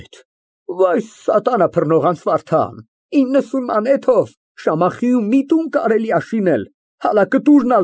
Գնա Իվանին ասա, որ կառքն ինձ հարկավոր չէ։ (Վարդանը շփոթված հեռանում է նախասենյակ, գդակը մոռանալով հատակի վրա։